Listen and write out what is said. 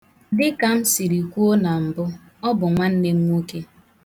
Dịka m siri kwuo na mbụ, ọ bụ nwanne m nwoke.